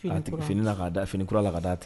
A fini ka fini kurala la ka da a tigɛ